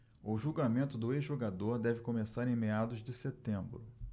o julgamento do ex-jogador deve começar em meados de setembro